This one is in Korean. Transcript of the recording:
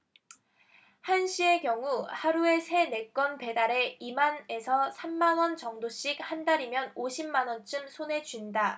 한씨의 경우 하루에 세 네 건 배달해 이 만 에서 삼 만원 정도씩 한 달이면 오십 만원쯤 손에 쥔다